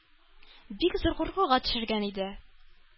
Бик зур куркуга төшергән иде.